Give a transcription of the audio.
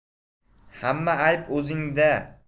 hamma ayb o'zingda